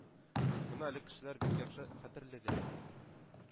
Моны әле кешеләр бик яхшы хәтерлиләр.